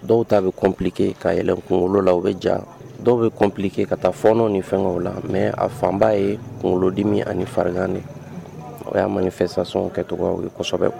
Dɔw ta bi complique ka yɛlɛ kunkolo la o bi ja. Dɔw bi compliqué ka taa fɔɔnɔ ni fɛn la . Mais a fanba ye kunkolodimi ani farigan de ye. O ya manifestation kɛ cogoya de ye kɔsɛbɛ.